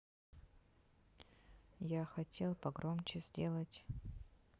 я хотел погромче сделать